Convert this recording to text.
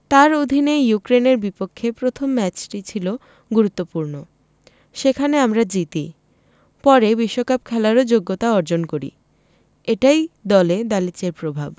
তাঁর অধীনে ইউক্রেনের বিপক্ষে প্রথম ম্যাচটি ছিল গুরুত্বপূর্ণ সেখানে আমরা জিতি পরে বিশ্বকাপে খেলারও যোগ্যতা অর্জন করি এটাই দলে দালিচের প্রভাব